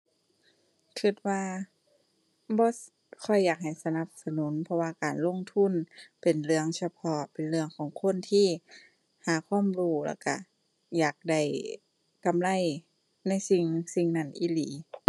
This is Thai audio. คิดว่า บ่ ค่อยอยากให้สนับสนุน เพราะว่าการลงทุนเป็นเรื่องเฉพาะ เป็นเรื่องของคนที่หาความรู้ แล้วคิดอยากได้กำไรในสิ่งสิ่งนั้นอีหลี